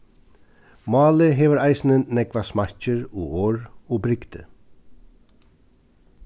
málið hevur eisini nógvar smakkir og orð og brigdi